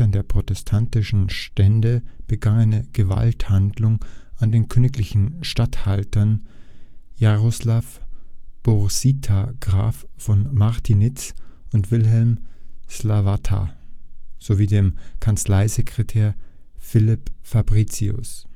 der protestantischen Stände begangene Gewalthandlung an den königlichen Statthaltern Jaroslav Borsita Graf von Martinitz und Wilhelm Slavata sowie dem Kanzleisekretär Philipp Fabricius